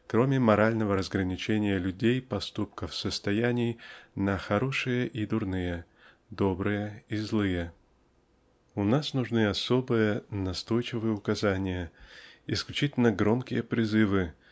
кроме морального разграничения людей поступков состояний на хорошие и дурные добрые и злые. У нас нужны особые настойчивые указания исключительно громкие призывы